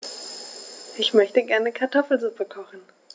Ich möchte gerne Kartoffelsuppe kochen.